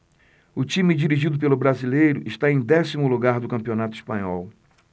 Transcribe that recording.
o time dirigido pelo brasileiro está em décimo lugar no campeonato espanhol